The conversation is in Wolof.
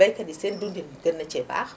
baykat yi seen dundin gën na cee baax